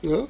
waaw